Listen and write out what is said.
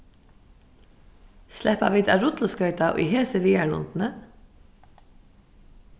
sleppa vit at rulluskoyta í hesi viðarlundini